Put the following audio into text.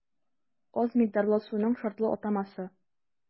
Аз микъдарлы суның шартлы атамасы.